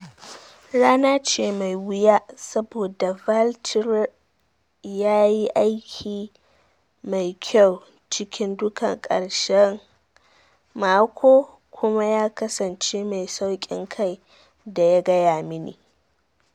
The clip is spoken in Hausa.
Rana ce mai wuya saboda Valtteri ya yi aiki mai kyau cikin dukan karshen mako kuma ya kasance mai saukin kai da ya gaya mini.